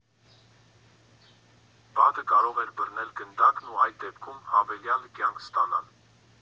Բադը կարող էր բռնել գնդակն ու այդ դեպքում հավելյալ «կյանք» ստանալ։